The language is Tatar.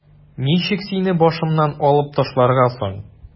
Ничек сине башымнан алып ташларга соң?